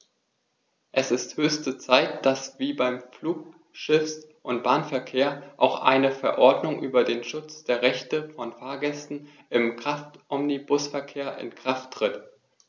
Es ist höchste Zeit, dass wie beim Flug-, Schiffs- und Bahnverkehr auch eine Verordnung über den Schutz der Rechte von Fahrgästen im Kraftomnibusverkehr in Kraft tritt.